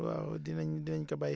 waaw dinañ dinañ ko bàyyi